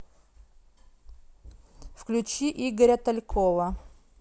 включи игоря талькова